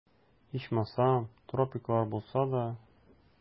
Ичмасам, тропиклар булса да...